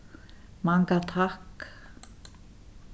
manga takk